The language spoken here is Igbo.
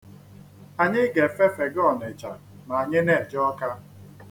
Anyị ga-efefega Ọnịcha ma anyị na-eje Ọka.